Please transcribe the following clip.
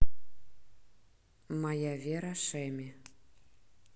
моя вера shami